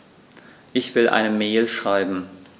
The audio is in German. Ich will eine Mail schreiben.